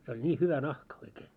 se oli niin hyvä nahka oikein